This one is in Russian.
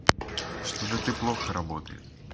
что то ты плохо работает